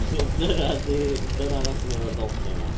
So dyna 'di... dyna wnaethon nhw efo'r dolphin yma?